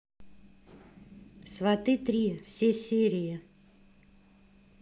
сваты три все серии